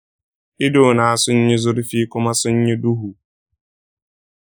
idona sun yi zurfi kuma sun yi duhu.